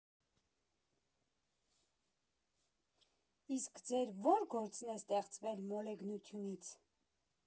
Իսկ ձեր ո՞ր գործն է ստեղծվել մոլեգնությունից։